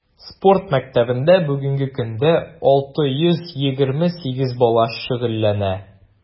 Спорт мәктәбендә бүгенге көндә 628 бала шөгыльләнә.